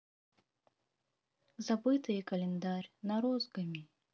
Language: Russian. забытые календарь на розгами